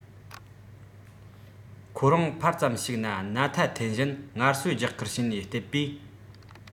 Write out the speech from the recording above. ཁོ རང ཕར ཙམ ཞིག ན སྣ ཐ འཐེན བཞིན ངལ གསོ རྒྱག ཁུལ བྱས ནས བསྟད པས